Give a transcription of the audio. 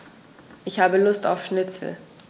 Ich habe Lust auf Schnitzel.